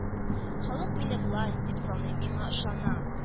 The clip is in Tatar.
—халык мине власть, дип саный, миңа ышана